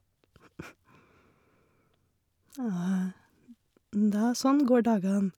Og da sånn går dagene.